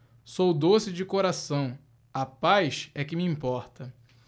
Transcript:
sou doce de coração a paz é que me importa